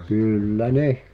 kyllä ne